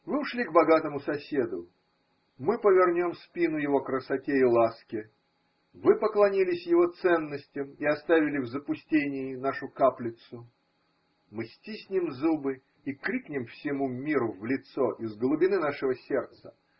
Вы ушли к богатому соседу – мы повернем спину его красоте и ласке: вы поклонились его ценностям и оставили в запустении нашу каплицу – мы стиснем зубы и крикнем всему миру в лицо из глубины нашего сердца.